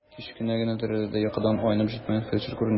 Кечкенә генә тәрәзәдә йокыдан айнып җитмәгән фельдшер күренде.